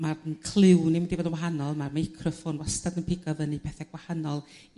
ma' ng- clyw ni mynd i fod yn wahanol ma' meicroffon wastad yn pigo fyny pethe gwahanol